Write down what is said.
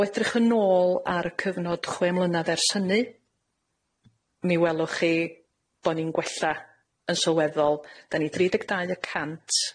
O edrych yn ôl ar y cyfnod chwe mlynadd ers hynny, mi welwch chi bo' ni'n gwella yn sylweddol, 'da ni dri deg dau y cant